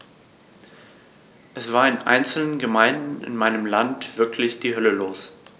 Es war in einzelnen Gemeinden in meinem Land wirklich die Hölle los.